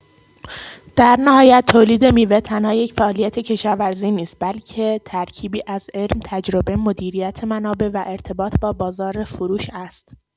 در نهایت تولید میوه تنها یک فعالیت کشاورزی نیست، بلکه ترکیبی از علم، تجربه، مدیریت منابع و ارتباط با بازار فروش است.